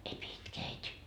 ei pidä itkeä äiti